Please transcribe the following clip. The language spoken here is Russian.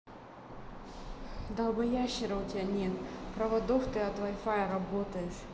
долбоящера у тебя нет проводов ты от вай фая работаешь